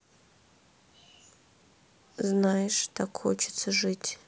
знаешь так хочется жить